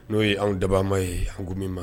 N'o ye anw dabama ye an ko min ma